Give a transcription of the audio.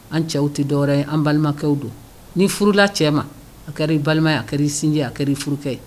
An cɛw tɛ dɔwɛrɛw ye an balimakɛw do ni furula cɛ ma a kɛra i balima ye a kɛra i sinji ye a kɛra i furu